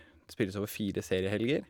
Det spilles over fire seriehelger.